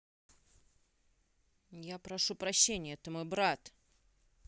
я прошу прощения это мой брат